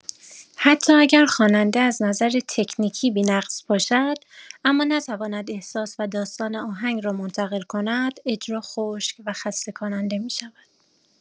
حتی اگر خواننده از نظر تکنیکی بی‌نقص باشد، اما نتواند احساس و داستان آهنگ را منتقل کند، اجرا خشک و خسته‌کننده می‌شود.